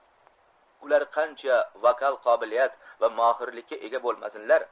ular qancha vokal qobiliyat va mohirlikka ega bo'lmasinlar